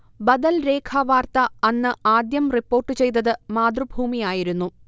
ബദൽരേഖാ വാർത്ത അന്ന് ആദ്യം റിപ്പോർട്ടുചെയ്തത് മാതൃഭൂമിയായിരുന്നു